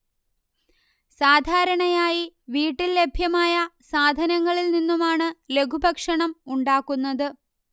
സാധാരണയായി വീട്ടിൽ ലഭ്യമായ സാധനങ്ങളിൽ നിന്നുമാണ് ലഘുഭക്ഷണം ഉണ്ടാക്കുന്നത്